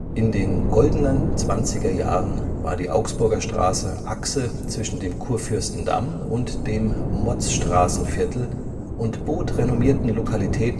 In den „ Goldenen Zwanziger Jahren “war die Augsburger Straße Achse zwischen dem Kurfürstendamm und dem Motzstraßenviertel und bot renommierten Lokalitäten der